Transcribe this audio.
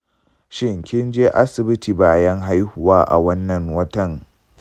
shin kin je asibitin bayan haihuwa a wannan watan?